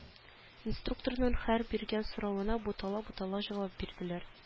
Инструкторның һәр биргән соравына бутала-бутала җавап бирделәр